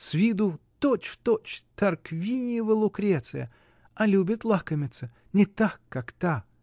С виду точь-в-точь Тарквиниева Лукреция, а любит лакомиться, не так, как та!.